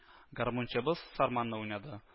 Гармунчыбыз сарманны уйнады